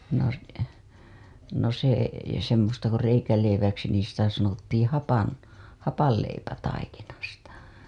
no - no se semmoista kuin reikäleiväksi niin sitä sanottiin - hapanleipätaikinasta